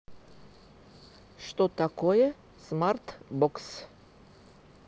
что такое smart box